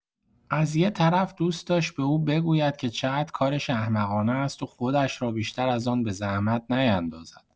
از یک‌طرف دوست داشت به او بگوید که چقدر کارش احمقانه است و خودش را بیشتر از آن به زحمت نیندازد.